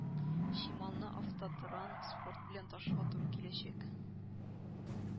Чималны автотран спорт белән ташырга туры киләчәк